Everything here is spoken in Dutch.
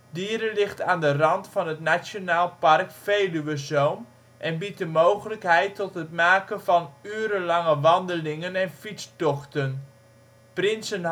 Dieren ligt aan de rand van het Nationaal Park Veluwezoom en biedt de mogelijkheid tot het maken van urenlange wandelingen en fietstochten. Prinsen